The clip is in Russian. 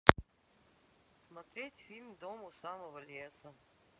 смотреть фильм дом у самого леса